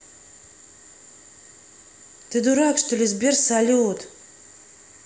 ты дурак что ли сбер салют